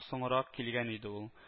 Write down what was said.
Соңрак килгән иде ул